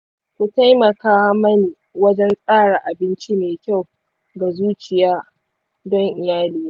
ka taimaka mani wajen tsara abinci mai kyau ga zuciya don iyalina.